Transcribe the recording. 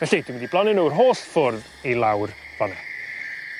Felly dwi mynd i blannu n'w yr holl ffwrdd i lawr fan 'ne.